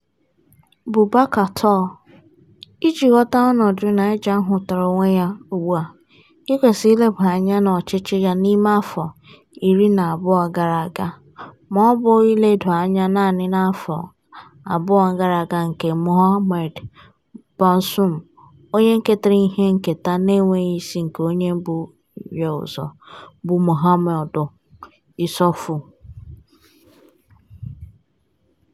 Boubacar Touré (BT): Iji ghọta ọnọdụ Niger hụtara onwe ya ugbua, i kwesịrị ileba anya n'ọchịchị ya n'ime afọ 12 gara aga, ma ọ bụghị iledo anya naanị n'afọ abụọ gara aga nke Mohamed Bazoum, onye ketara ihe nketa n'enweghị isi nke onye bu ya ụzọ, bụ Mahamadou Issoufou.